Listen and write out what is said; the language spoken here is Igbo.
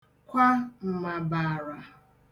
kwa m̀màbààrà